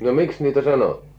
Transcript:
no miksi niitä sanottiin